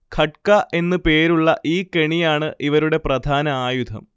'ഖട്ക' എന്നു പേരുള്ള ഈ കെണിയാണ് ഇവരുടെ പ്രധാന ആയുധം